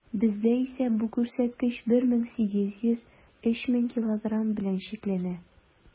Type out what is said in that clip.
Бездә исә бу күрсәткеч 1800 - 3000 килограмм белән чикләнә.